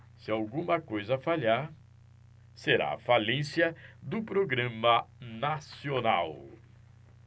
se alguma coisa falhar será a falência do programa nacional